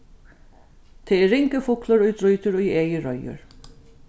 tað er ringur fuglur ið drítur í egið reiður